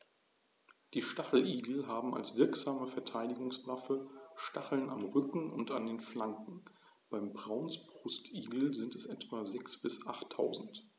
Die Stacheligel haben als wirksame Verteidigungswaffe Stacheln am Rücken und an den Flanken (beim Braunbrustigel sind es etwa sechs- bis achttausend).